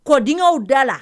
Kɔdiw da la